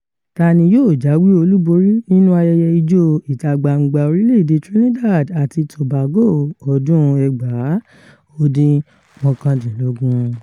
‪Ta ni yóò jáwé olúborí nínú Ayẹyẹ ijó ìta-gbangba orílẹ̀-èdè Trinidad àti Tobago ọdún-un 2019?‬